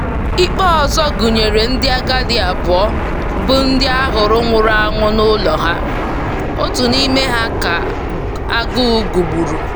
Ikpe ọzọ gụnyere ndị agadi abụọ bụ́ ndị a hụrụ nwụrụ anwụ n'ụlọ ha, otu n'ime ha ka agụụ gụgburu.